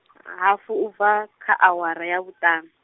hafu ubva, kha awara ya vhuṱaṋu.